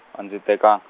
a ndzi tekang-.